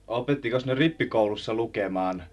opettikos ne rippikoulussa lukemaan